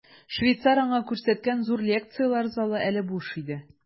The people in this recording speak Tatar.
Швейцар аңа күрсәткән зур лекцияләр залы әле буш иде.